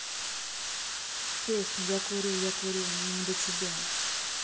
песня я курю я курю мне не до тебя